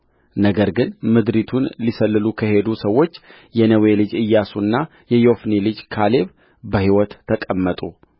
ነገር ግን ምድሪቱን ሊሰልሉ ከሄዱ ሰዎች የነዌ ልጅ ኢያሱና የዮፎኒ ልጅ ካሌብ በሕይወት ተቀመጡ